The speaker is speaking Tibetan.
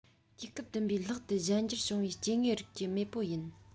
དུས སྐབས བདུན པའི ལྷག ཏུ གཞན འགྱུར བྱུང བའི སྐྱེ དངོས རིགས ཀྱི མེས པོ ཡིན